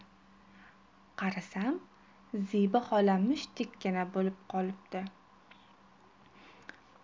qarasam zebi xola mushtdekkina bo'lib qolibdi